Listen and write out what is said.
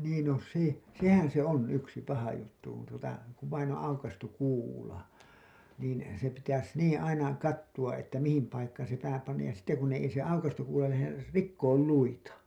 niin no se sehän se on yksi paha juttu kun tuota kun vain on aukaistu kuula niin se pitäisi niin aina katsoa että mihin paikkaan se pää pannaan ja sitten kun ne ei se aukaistu kuula lähde - rikkoo luita